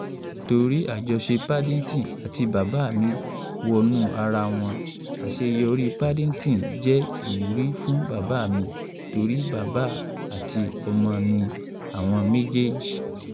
Torí àjọṣe Paddington àti bàbá mi wọnú ara wọn, àṣeyọrí Paddington jẹ́ ìwúrí fún bàbá mi torí bàbá àti ọmọ ni àwọn méjèèjì.